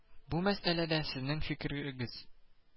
Бу мәсьәләдә сезнең фикерегез